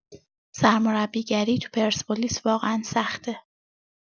سرمربی‌گری تو پرسپولیس واقعا سخته.